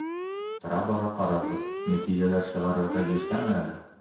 Тора-бара карарбыз, нәтиҗәләр чыгарырга иртәме әле?